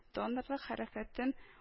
Донорлык хәрәкәтен